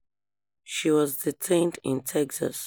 She was detained in Texas.